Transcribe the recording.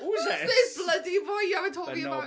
Who's this?... Who's this bloody boy you haven't told me about?